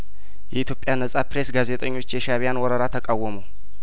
የኢትዮጵያ ነጻ ፕሬስ ጋዜጠኞች የሻእቢያን ወረራ ተቃወሙ